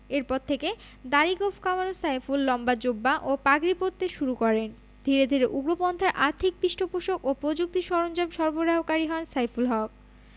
এরপর থেকে দাড়ি গোঁফ কামানো সাইফুল লম্বা জোব্বা ও পাগড়ি পরতে শুরু করেন ধীরে ধীরে উগ্রপন্থার আর্থিক পৃষ্ঠপোষক ও প্রযুক্তি সরঞ্জাম সরবরাহকারী হন সাইফুল হক